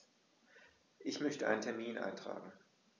Ich möchte einen Termin eintragen.